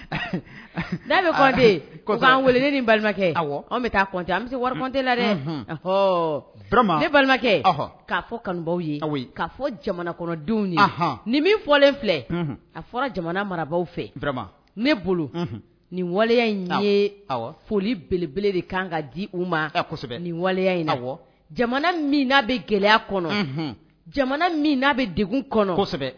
Balimakɛ bɛ taatɛ bɛ se la balimakɛbawa fɔ jamanadenw ni fɔlen filɛ a fɔra jamana marabaw fɛ ne bolo ni waleya foli belebele de kan ka di u ma ni waleya jamana min bɛ gɛlɛya jamana min bɛsɛbɛ